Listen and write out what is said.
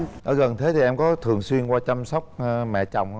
ở gần thê thì em có thường xuyên qua chăm sóc mẹ chồng không